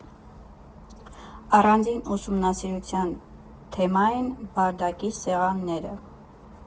Առանձին ուսումնասիրության թեմա են «Բարդակի» սեղանները։